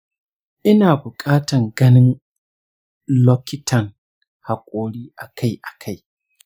ina buƙatan ganin lokitan haƙori akai akai?